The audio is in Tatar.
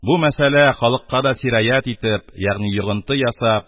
Бу мәсьәлә халыкка да сираять итеп ягъни йогынты ясап